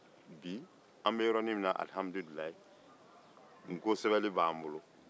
an bɛ yɔrɔnin min na bi alhamdulilayi nko sɛbɛnni b'an bolo